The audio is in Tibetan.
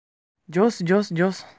ངུ སྐད ལ འཁྲུལ བ འདྲ